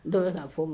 Dɔw bɛ ka'a fɔo ma